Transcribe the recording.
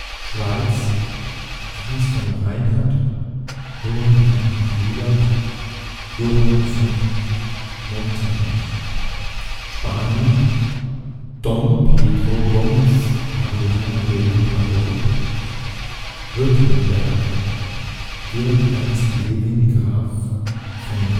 Schweiz Hans von Reinhard – Johann Heinrich Wieland – Johann von Montenach Spanien Don Pedro Gomez Havela de Labrador Württemberg Georg Ernst Levin Graf von